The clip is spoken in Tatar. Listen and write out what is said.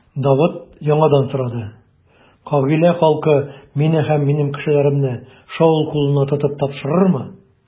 Давыт яңадан сорады: Кыгыйлә халкы мине һәм минем кешеләремне Шаул кулына тотып тапшырырмы?